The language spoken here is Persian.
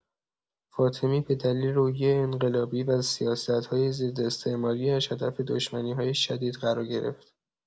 فاطمی به دلیل روحیه انقلابی و سیاست‌های ضد استعماری‌اش هدف دشمنی‌های شدید قرار گرفت.